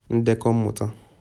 Ndekọ Mmụta